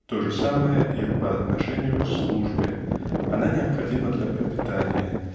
Тоже самое и по отношению к "службе" -- она необходима для пропитания